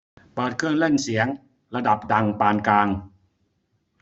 เปิดเครื่องเล่นเสียงระดับดังปานกลาง